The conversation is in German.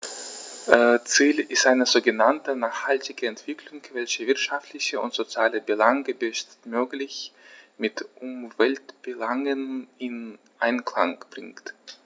Ziel ist eine sogenannte nachhaltige Entwicklung, welche wirtschaftliche und soziale Belange bestmöglich mit Umweltbelangen in Einklang bringt.